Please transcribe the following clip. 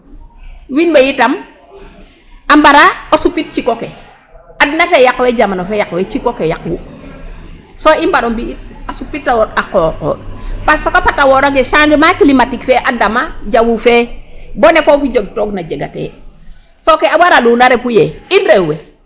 Wiin we yitam a mbara o supit ciko ke adna fe yaqwee, jamano fe yaqwee ciko ke yaqwu .So i mbaro mbi' it a supitoyo a qooqooƭ parce que fat a wooronge changement climatique fe a dama jawu fe bo ne foofi jegtoogna jegatee so ke waraluna refu yee in rew we .